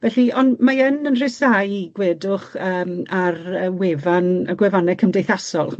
Felly, on' mae yn 'yn rhisau, gwedwch, yym ar y wefan y gwefanne cymdeithasol.